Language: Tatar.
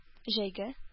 Җәйге